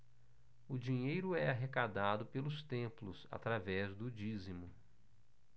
o dinheiro é arrecadado pelos templos através do dízimo